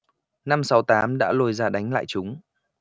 năm sáu tám đã lôi ra đánh lại chúng